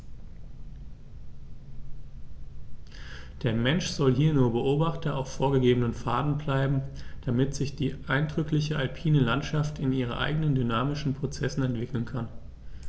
Der Mensch soll hier nur Beobachter auf vorgegebenen Pfaden bleiben, damit sich die eindrückliche alpine Landschaft in ihren eigenen dynamischen Prozessen entwickeln kann.